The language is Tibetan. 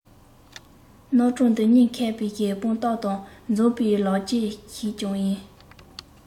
རྣམ གྲངས འདི ཉིད མཁས པའི དཔང རྟགས དང མཛངས པའི ལག རྗེས ཤིག ཀྱང ཡིན